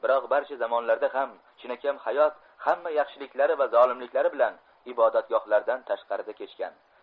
barcha zamonlarda ham chinakam hayot hamma yaxshiliklari va zolimliklari bilan ibodatgohlardan tashqarida kechgan